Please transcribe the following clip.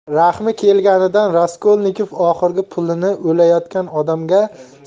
rahmi kelganidan raskolnikov oxirgi pulini o'layotgan odamga